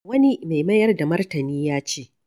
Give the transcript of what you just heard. Wani mai mayar da martani ya ce: